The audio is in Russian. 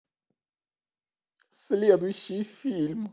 следующий фильм